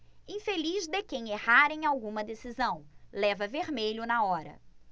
infeliz de quem errar em alguma decisão leva vermelho na hora